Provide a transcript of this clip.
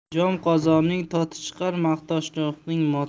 jom qozonning toti chiqar maqtanchoqning moti